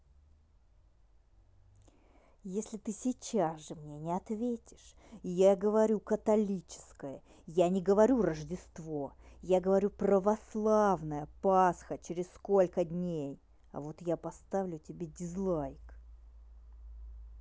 если ты сейчас же мне не ответишь я не говорю католическое я не говорю рождество я говорю православная пасха через сколько дней а вот я поставлю тебе дизлайк